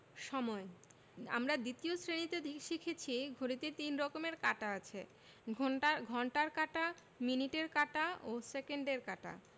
সময়ঃ আমরা ২য় শ্রেণিতে শিখেছি ঘড়িতে ৩ রকমের কাঁটা আছে ঘণ্টার ঘণ্টার কাঁটা মিনিটের কাঁটা ও সেকেন্ডের কাঁটা